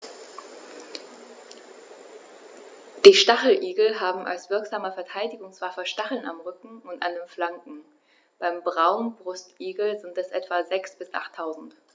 Die Stacheligel haben als wirksame Verteidigungswaffe Stacheln am Rücken und an den Flanken (beim Braunbrustigel sind es etwa sechs- bis achttausend).